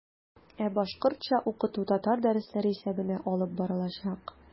Ә башкортча укыту татар дәресләре исәбенә алып барылачак.